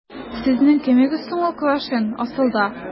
Сезнең кемегез соң ул Квашнин, асылда? ..